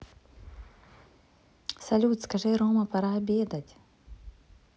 салют скажи рома пора обедать